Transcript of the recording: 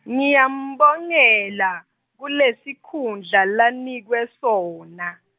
Ngiyambongela, kulesikhundla lanikwe sona.